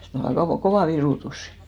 se oli aika kova virutus